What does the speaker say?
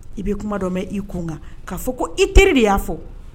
I bɛ kuma dɔ mɛn i kunkan kaa fɔ ko i teri de y'a fɔ